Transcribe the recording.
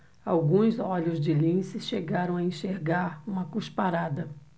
alguns olhos de lince chegaram a enxergar uma cusparada